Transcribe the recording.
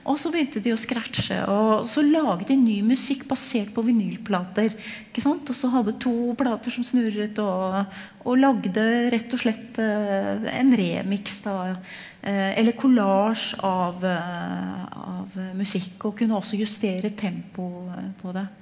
og så begynte de å scratche og så laget de ny musikk basert på vinylplater ikke sant og så hadde de to plater snurret og og lagde rett og slett en remiks da, eller kollasj av av musikk og kunne også justere tempoet på det.